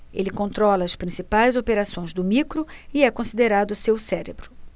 ele controla as principais operações do micro e é considerado seu cérebro